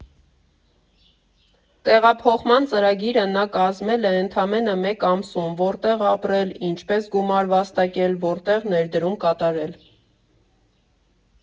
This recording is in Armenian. Տեղափոխման ծրագիրը նա կազմել է ընդամենը մեկ ամսում՝որտեղ ապրել, ինչպես գումար վաստակել, որտեղ ներդրում կատարել։